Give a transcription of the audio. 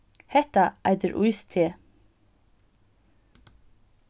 hetta eitur íste